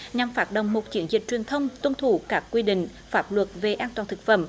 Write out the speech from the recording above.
nhằm phát động một chiến dịch truyền thông tuân thủ các quy định pháp luật về an toàn thực phẩm